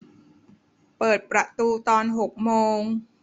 เปิดประตูตอนหกโมง